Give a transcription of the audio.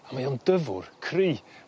A mae o'n dyfwr cry